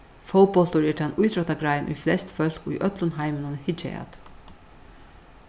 fótbóltur er tann ítróttagrein ið flest fólk í øllum heiminum hyggja at